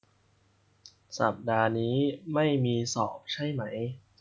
สัปดาห์นี้ไม่มีสอบใช่ไหม